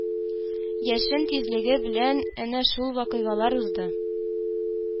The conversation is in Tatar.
Яшен тизлеге белән әнә шул вакыйгалар узды